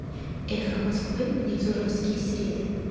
эхо москвы невзоровские среды